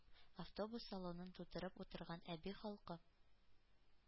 Автобус салонын тутырып утырган әби халкы,